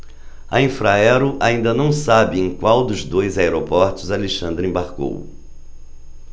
a infraero ainda não sabe em qual dos dois aeroportos alexandre embarcou